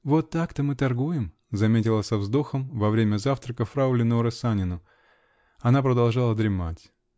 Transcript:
"Вот так-то мы торгуем!" -- заметила со вздохом во время завтрака фрау Леноре Санину. Она продолжала дремать